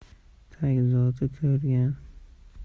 tag zoti ko'rgan